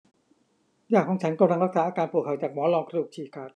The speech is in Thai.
ย่าของฉันกำลังรักษาอาการปวดเข่าจากหมอนรองกระดูกฉีดขาด